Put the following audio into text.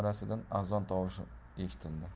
masjidining minorasidan azon tovushi eshitildi